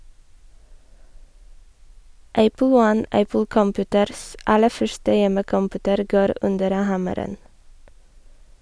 Apple 1, Apple Computers' aller første hjemmecomputer, går under hammeren.